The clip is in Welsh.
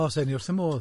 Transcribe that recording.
O, 'se'n i wrth fy modd.